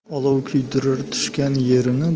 olov kuydirar tushgan yerini